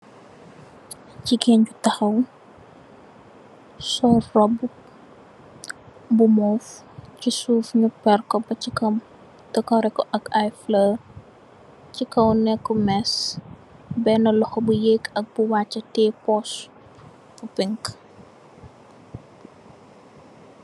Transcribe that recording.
Jigeen ju taxaw sol róbbu bu muuf ci suuf ni péér ko bacci kaw dekorè ko ak fulor ci kaw nekka més benna loxo bu éék ak bu wacca teyeh póós bu pink.